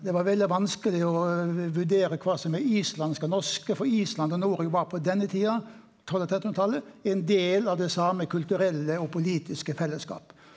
det var veldig vanskeleg å vurdere kva som er islandske og norske for Island og Noreg var på denne tida tolv- og trettenhundretalet ein del av det same kulturelle og politiske fellesskap.